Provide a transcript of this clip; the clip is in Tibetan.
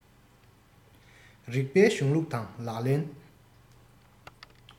རིགས པའི གཞུང ལུགས དང ལག ལེན